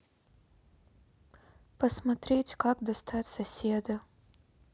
посмотреть как достать соседа